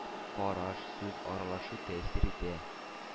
Караш, сүз, аралашу тәэсир итә.